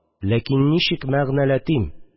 Ләкин ничек мәгънәләтим